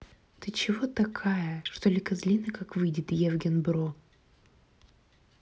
ты чего такая что ли козлина как выйдет евген бро